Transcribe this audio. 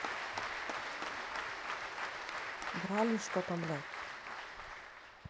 брали что там блядь